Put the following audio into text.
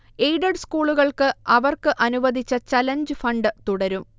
aided സ്കൂളുകൾക്ക് അവർക്ക് അനുവദിച്ച ചലഞ്ച് ഫണ്ട് തുടരും